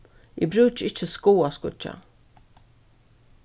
eg brúki ikki skáaskíggja